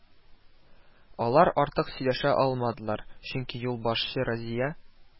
Алар артык сөйләшә алмадылар, чөнки юлбашчы Разия: